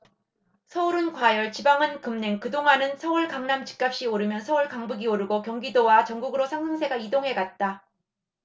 서울은 과열 지방은 급랭그동안은 서울 강남 집값이 오르면 서울 강북이 오르고 경기도와 전국으로 상승세가 이동해갔다